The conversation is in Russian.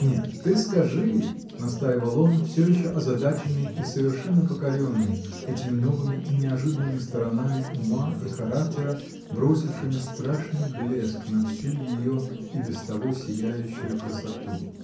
— Нет, ты скажи, — настаивал он, всё еще озадаченный и совершенно покоренный этими новыми и неожиданными сторонами ума и характера, бросившими страшный блеск на всю ее и без того сияющую красоту.